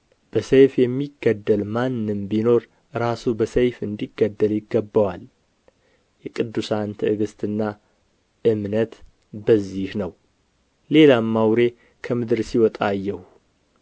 በሰይፍ የሚገድል ማንም ቢኖር ራሱ በሰይፍ እንዲገደል ይገባዋል የቅዱሳን ትዕግሥትና እምነት በዚህ ነው ሌላም አውሬ ከምድር ሲወጣ አየሁ